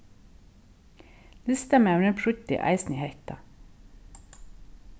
listamaðurin prýddi eisini hetta